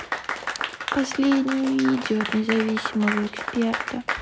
последнее видео от независимого эксперта